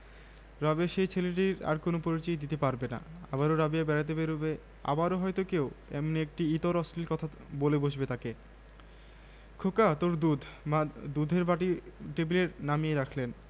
রাবেয়া সেই ছেলেটির আর কোন পরিচয়ই দিতে পারবে না আবারও রাবেয়া বেড়াতে বেরুবে আবারো হয়তো কেউ এমনি একটি ইতর অশ্লীল কথা বলে বসবে তাকে খোকা তোর দুধ মা দুধের বাটি টেবিলে নামিয়ে রাখলেন